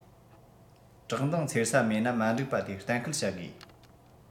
བཀྲག མདངས འཚེར ས མེད ན མ འགྲིག པ དེ གཏན འཁེལ བྱ དགོས